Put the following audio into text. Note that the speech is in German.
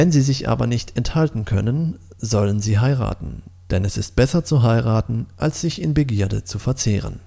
sie sich aber nicht enthalten können, sollen sie heiraten; denn es ist besser zu heiraten, als sich in Begierde zu verzehren